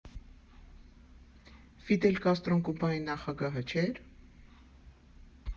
Ֆիդել Կաստրոն Կուբայի նախագահը չէ՞ր։